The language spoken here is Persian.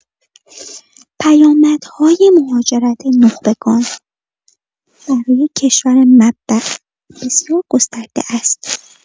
پیامدهای مهاجرت نخبگان برای کشور مبدأ بسیار گسترده است.